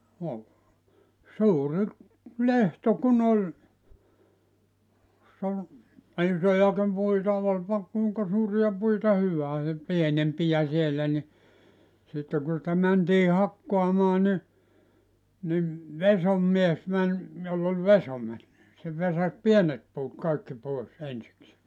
no suuri lehto kun oli jos oli isojakin puita olipa kuinka suuria puita hyvään ja pienempiä siellä niin sitten kun niitä mentiin hakkaamaan niin niin vesoinmies meni jolla oli vesoimet niin se vesasi pienet puut kaikki pois ensikseen